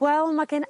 Wel ma' gin...